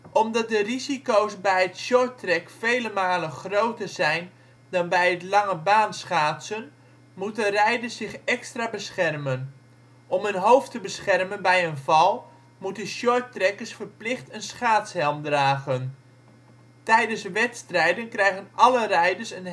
Omdat de risico 's bij het shorttrack vele malen groter zijn dan bij het langebaanschaatsen, moeten rijders zich extra beschermen. Om hun hoofd te beschermen bij een val moeten shorttrackers verplicht een schaatshelm dragen. Tijdens wedstrijden krijgen alle rijders een